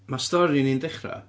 ma' stori ni'n dechrau